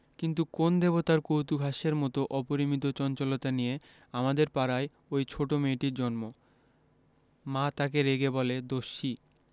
কিন্তু কোন দেবতার কৌতূকহাস্যের মত অপরিমিত চঞ্চলতা নিয়ে আমাদের পাড়ায় ঐ ছোট মেয়েটির জন্ম মা তাকে রেগে বলে দস্যি